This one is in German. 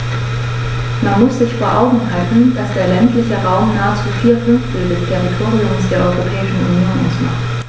Man muss sich vor Augen halten, dass der ländliche Raum nahezu vier Fünftel des Territoriums der Europäischen Union ausmacht.